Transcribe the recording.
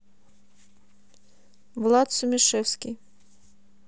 влад сумишевский